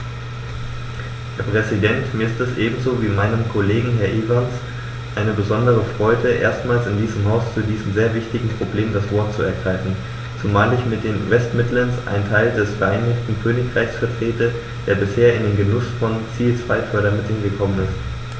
Herr Präsident, mir ist es ebenso wie meinem Kollegen Herrn Evans eine besondere Freude, erstmals in diesem Haus zu diesem sehr wichtigen Problem das Wort zu ergreifen, zumal ich mit den West Midlands einen Teil des Vereinigten Königreichs vertrete, der bisher in den Genuß von Ziel-2-Fördermitteln gekommen ist.